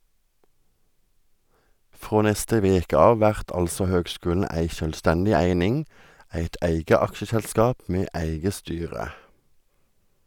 Frå neste veke av vert altså høgskulen ei sjølvstendig eining, eit eige aksjeselskap med eige styre.